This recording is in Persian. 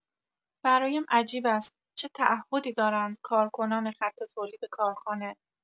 برایم عجیب است چه تعهدی دارند کارکنان خط تولید کارخانه.